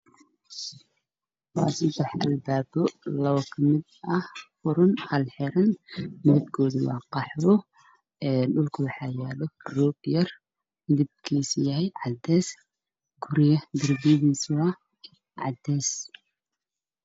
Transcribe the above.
Waa qol waxaa dhex yaalo wali midab ka darbiga waa jaale